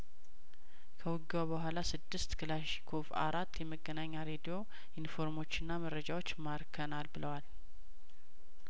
ከውጊያው በኋላ ስድስት ክላሽንኮቭ አራት የመገናኛ ሬዲዮ ዩኒፎርሞችና መረጃዎች ማርከናል ብለዋል